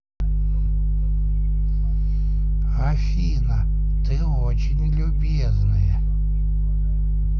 афина ты очень любезная